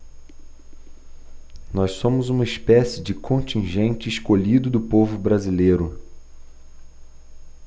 nós somos uma espécie de contingente escolhido do povo brasileiro